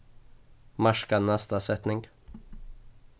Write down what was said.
marka næsta setning